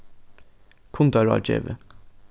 kundaráðgevi